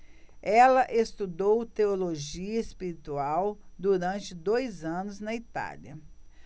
ela estudou teologia espiritual durante dois anos na itália